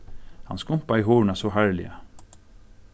hann skumpaði hurðina so harðliga